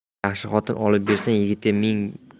yaxshi xotin olib bersang yigitga